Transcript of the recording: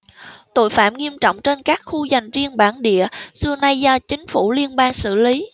tội phạm nghiêm trọng trên các khu dành riêng bản địa xưa nay do chính phủ liên bang xử lý